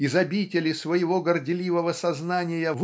из обители своего горделивого сознания